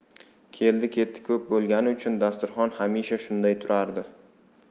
keldi ketdi ko'p bo'lgani uchun dasturxon hamisha shunday turardi